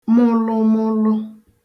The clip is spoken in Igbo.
mụlụmụlu